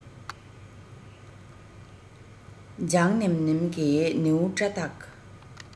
ལྗང ནེམ ནེམ གྱི ནེའུ སྐྲ དག